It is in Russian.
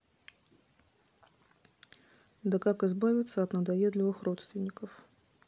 да как избавиться от надоедливых родственников